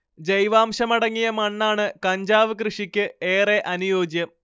ജൈവാംശമടങ്ങിയ മണ്ണാണ് കഞ്ചാവ് കൃഷിക്ക് ഏറെ അനുയോജ്യം